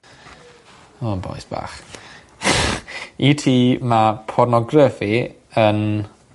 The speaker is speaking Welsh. O bois bach. I ti ma' pornograffi yn...